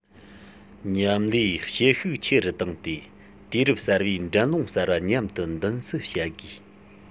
༄༅ མཉམ ལས བྱེད ཤུགས ཆེ རུ བཏང སྟེ དུས རབས གསར པའི འགྲན སློང གསར པ མཉམ དུ མདུན བསུ བྱ དགོས